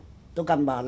tôi cầm bỏ